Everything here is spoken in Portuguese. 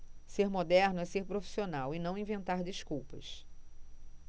ser moderno é ser profissional e não inventar desculpas